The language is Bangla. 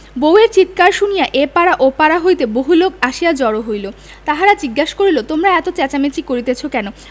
বউ এর চিৎকার শুনিয়া এ পাড়া ও পাড়া হইতে বহুলোক আসিয়া জড় হইল তাহারা জিজ্ঞাসা করিল তোমরা এত চেঁচামেচি করিতেছ কেন